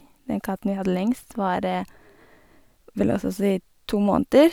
Den katten vi hadde lengst var vel hos oss i to måneder.